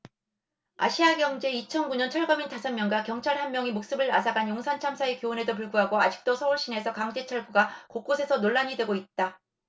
아시아경제 이천 구 년 철거민 다섯 명과 경찰 한 명의 목숨을 앗아간 용산참사의 교훈에도 불구하고 아직도 서울 시내에서 강제철거가 곳곳에서 논란이 되고 있다